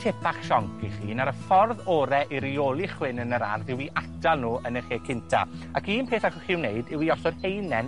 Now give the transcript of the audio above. tip bach sionc i chi, nawr y ffordd ore i reoli chwyn yn yr ardd yw i atal nw yn y lle cynta, ac un peth allwch chi neud yw i osod haenen